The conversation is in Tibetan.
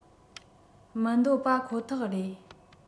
མི འདོད པ ཁོ ཐག རེད